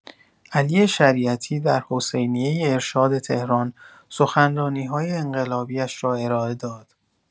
علی شریعتی در حسینیه ارشاد تهران سخنرانی‌‌های انقلابی‌اش را ارائه داد.